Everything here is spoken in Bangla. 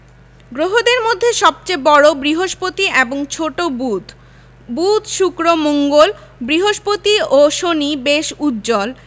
গ্রহদের মধ্যে সবচেয়ে বড় বৃহস্পতি এবং ছোট বুধ বুধ শুক্র মঙ্গল বৃহস্পতি ও শনি বেশ উজ্জ্বল